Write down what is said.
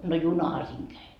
no junahan siinä kävi